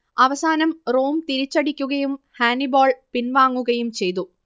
അവസാനം റോം തിരിച്ചടിക്കുകയും ഹാനിബാൾ പിൻവാങ്ങുകയും ചെയ്തു